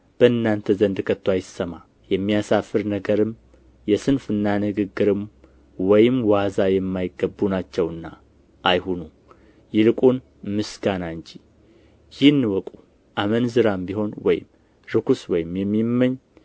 በእናንተ ዘንድ ከቶ አይሰማ የሚያሳፍር ነገርም የስንፍና ንግግርም ወይም ዋዛ የማይገቡ ናቸውና አይሁኑ ይልቁን ምስጋና እንጂ ይህን እወቁ አመንዝራም ቢሆን ወይም ርኵስ ወይም የሚመኝ